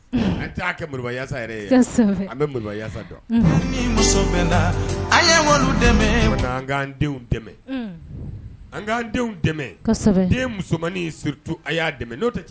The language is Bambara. Denw dɛmɛ an denw musoman